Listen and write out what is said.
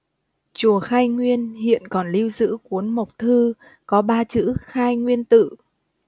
chùa khai nguyên hiện còn lưu giữ cuốn mộc thư có ba chữ khai nguyên tự